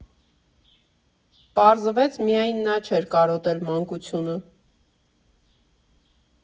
Պարզվեց՝ միայն նա չէր կարոտել մանկությունը.